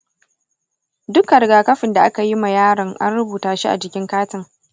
dukka rigakafin da akayima yaron an rubuta shi a jikin katin.